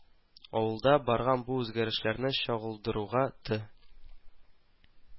Авылда барган бу үзгәрешләрне чагылдыруга Ты